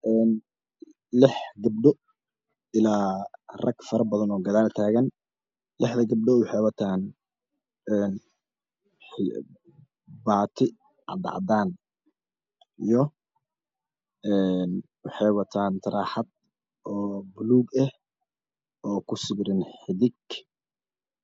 Een lix gabdho ilaa rag faro badan oo gadaal taagan lixda gabdho waxey wataan baati cadcadan iyo waxey wataan taraaxad oo buloogah oo kusowiran xidig